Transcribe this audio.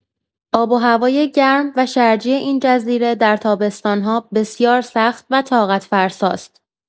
آب و هوای گرم و شرجی این جزیره در تابستان‌ها بسیار سخت و طاقت‌فرساست.